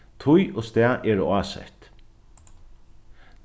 tíð og stað eru ásett